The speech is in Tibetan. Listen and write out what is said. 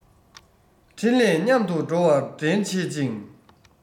འཕྲིན ལས མཉམ དུ འགྲོ བ འདྲེན བྱེད ཅིང